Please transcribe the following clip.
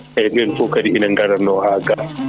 eyyi ɓen fof kadi ina garanno haa ga